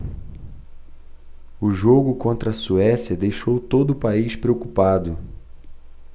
o jogo contra a suécia deixou todo o país preocupado